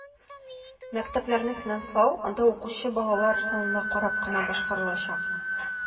Мәктәпләрне финанслау анда укучы балалар санына карап кына башкарылачак.